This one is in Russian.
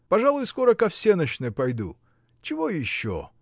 Пожалуй, скоро ко всенощной пойду. Чего еще!